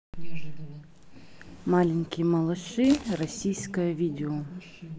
маленькие малыши российское видео